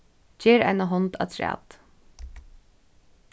ger eina hond afturat